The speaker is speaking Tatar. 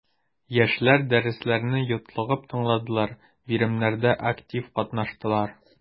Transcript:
Яшьләр дәресләрне йотлыгып тыңладылар, биремнәрдә актив катнаштылар.